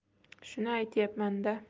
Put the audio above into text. shuni aytyapmanda